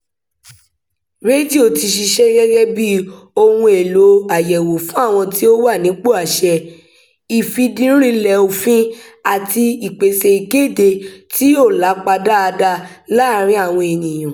Rédíò ti ṣiṣẹ́ gẹ́gẹ́ bíi ohun èlò àyẹ̀wò fún àwọn tí ó wà nípò àṣẹ, ìfìdírinlẹ̀ òfin àti ìpèsè ìkéde tí yóò lapa dáadáa lára àwọn ènìyàn.